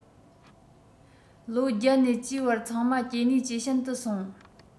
ལོ བརྒྱད ནས བཅུའི བར ཚང མ སྐྱེ ནུས ཇེ ཞན དུ སོང